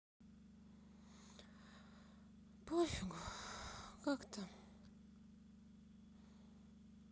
пофигу как там